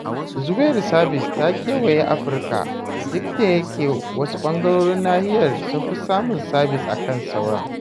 Yanzu wayar sabis ta kewaye Afirka, duk da yake wasu ɓangarorin nahiyar sun fi samun sabis a kan sauran.